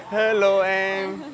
hế lô em